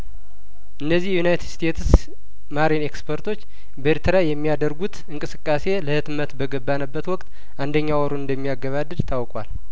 እነዚሁ የዩናይትድ ስቴትስ ማሪን ኤክስፐርቶች በኤርትራ የሚያደርጉት እንቅስቃሴ ለህትመት በገባንበት ወቅት አንደኛ ወሩን እንደሚያገባድድ ታውቋል